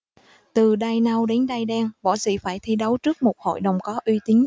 từ đai nâu đến đai đen võ sĩ phải thi đấu trước một hội đồng có uy tín